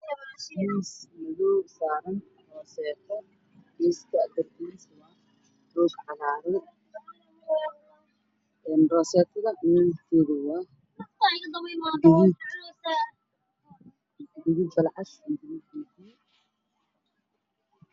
Waa roseeto midabkeedii yahay guduud waxay ku jirtaa saddex caagad dhulka waa roog cagaar